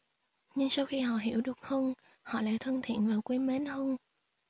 nhưng sau khi họ hiểu được hưng họ lại thân thiện và quý mến hưng